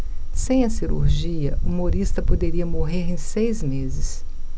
sem a cirurgia humorista poderia morrer em seis meses